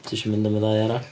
Ti isio mynd am y ddau arall?